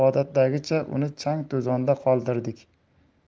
odatdagicha uni chang to'zonda qoldirdik